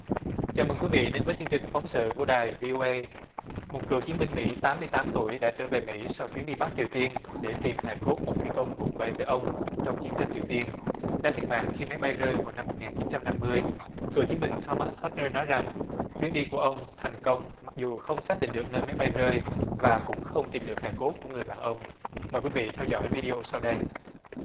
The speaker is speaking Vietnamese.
chào mừng quý vị đến với chương trình phóng sự của đài vi ô ây một cựu chiến binh mỹ tám mươi tám tuổi đã trở về mỹ sau chuyến đi bắc triều tiên để tìm hài cốt một phi công cùng bay với ông trong chiến tranh triều tiên đã thiệt mạng khi máy bay rơi hồi năm một ngàn chín trăm năm mươi cựu chiến binh tho mát hớt nơ nói rằng chuyến đi của ông thành công mặc dù không xác định được nơi máy bay rơi và cũng không tìm được hài cốt của người bạn ông mời quý vị theo dõi vi đi ô sau đây